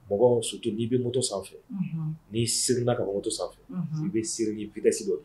Mɔgɔ sutu n'i bɛ moto sanfɛ n'i siriina ka mɔto sanfɛ i bɛ siri' fi tɛ se